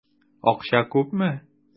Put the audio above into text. Акча күпме?